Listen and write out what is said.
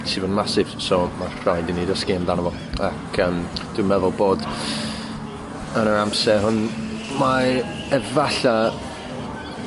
sydd yn massive so ma' rhaid i mi ddysgu amdano fo ac yym dwi meddwl bod yn yr amser hwn mae efalla